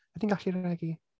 Ydyn ni’n gallu rhegi?